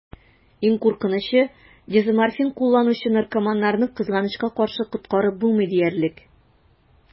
Иң куркынычы: дезоморфин кулланучы наркоманнарны, кызганычка каршы, коткарып булмый диярлек.